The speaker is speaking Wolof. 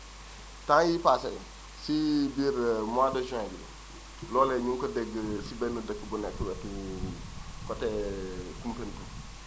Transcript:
temps yii paase si biir mois de juin loolee ñuu ngi ko déggee si benn dëkk bu nekk wetu si côté Koumpentoum